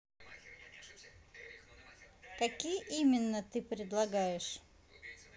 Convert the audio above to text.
какие именно ты предлагаешь